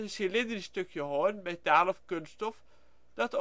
cilindrisch stukje hoorn, metaal of kunststof dat